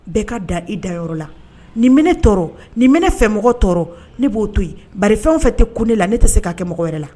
Bɛɛ ka da i dayɔrɔ la ni ne tɔɔrɔ ni ne fɛ mɔgɔ tɔɔrɔ ne b'o to yenfɛn fɛ tɛ kun ne la ne tɛ se ka kɛ mɔgɔ wɛrɛ la